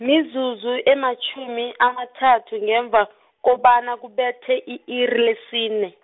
mizuzu ematjhumi amathathu ngemva , kobana kubethe i-iri lesine.